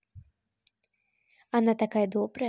она такая добрая